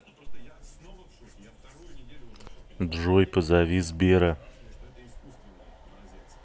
джой позови сбера